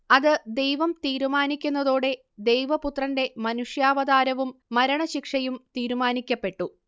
അത് ദൈവം തീരുമാനിക്കുന്നതോടെ ദൈവപുത്രന്റെ മനുഷ്യാവതാരവും മരണശിക്ഷയും തീരുമാനിക്കപ്പെട്ടു